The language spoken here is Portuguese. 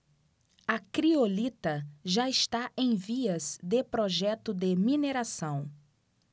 a criolita já está em vias de projeto de mineração